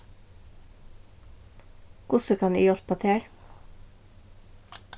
hvussu kann eg hjálpa tær